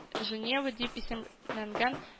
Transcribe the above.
Женева дип исемләнгән